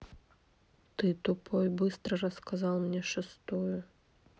ты тупой быстро рассказал мне шестую